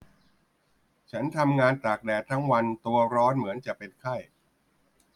ฉันทำงานตากแดดทั้งวันตัวร้อนเหมือนจะเป็นไข้